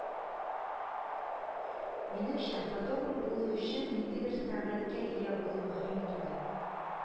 - минемчә, фотограф булу өчен ниндидер сәнгатькә ия булу мөһим түгел